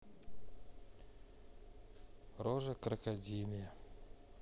рожа крокодилья